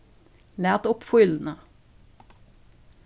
lat upp fíluna